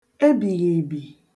ebìghìèbì